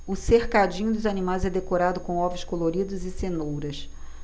o cercadinho dos animais é decorado com ovos coloridos e cenouras